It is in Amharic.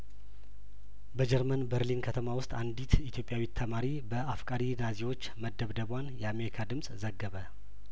በጀርመን በርሊን ከተማ ውስጥ አንዲት ኢትዮጵያዊት ተማሪ በአፍቃሪ ናዚዎች መደብደቧን የአሜሪካ ድምጽ ዘገበ